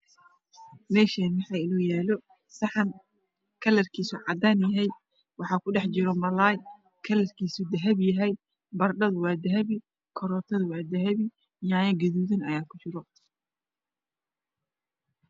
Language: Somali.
Mashan waa yalo saxan oo cadan ah wax kujiroh bardho iyo malaay miskunah waa cadan